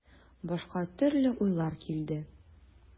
Башка төрле уйлар килде.